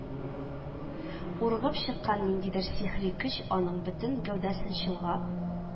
Ургып чыккан ниндидер сихри көч аның бөтен гәүдәсен чолгап